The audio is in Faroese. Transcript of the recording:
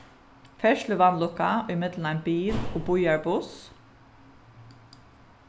ferðsluvanlukka ímillum ein bil og býarbuss